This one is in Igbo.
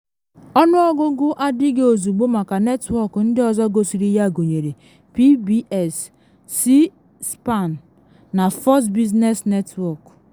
Ọnụọgụgụ adịghị ozugbo maka netwọk ndị ọzọ gosiri ya, gụnyere PBS, C-SPAN na Fox Business Network.